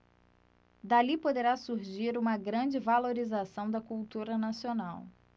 dali poderá surgir uma grande valorização da cultura nacional